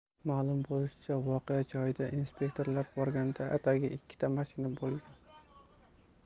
ma'lum bo'lishicha voqea joyiga inspektorlar borganda atigi ikkita mashina qolgan bo'lgan